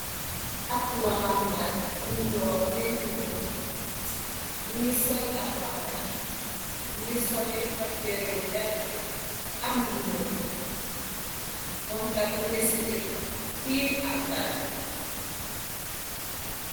Ab waxambaani bu njool te ñuul, mungi sol ab mbaxana, mungi sol ab yari bu vexte am ñuul, moomkat mungi sëga tiim ab bal bi.